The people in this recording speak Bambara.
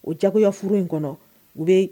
O jagoya furu in kɔnɔ u bɛ